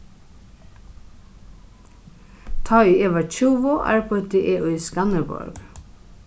tá ið eg var tjúgu arbeiddi eg í skanderborg